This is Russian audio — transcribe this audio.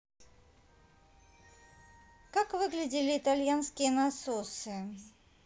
как выглядели итальянские насосы